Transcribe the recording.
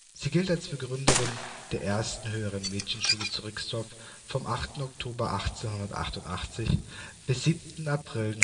Sie gilt als Begründerin der ersten Höheren Mädchenschule zu Rixdorf vom 8. Oktober 1888 bis 7. April